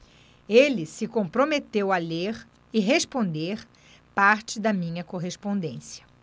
ele se comprometeu a ler e responder parte da minha correspondência